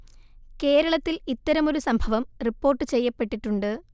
കേരളത്തിൽ ഇത്തരമൊരു സംഭവം റിപ്പോർട്ട് ചെയ്യപ്പെട്ടിട്ടുണ്ട്